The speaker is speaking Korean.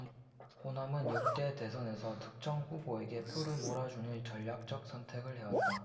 호남은 역대 대선에서 특정 후보에게 표를 몰아주는 전략적 선택을 해왔다